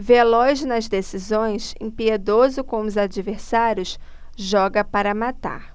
veloz nas decisões impiedoso com os adversários joga para matar